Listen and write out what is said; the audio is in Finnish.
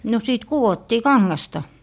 no sitten kudottiin kangasta